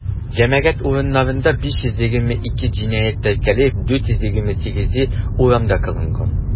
Җәмәгать урыннарында 522 җинаять теркәлеп, 428-е урамда кылынган.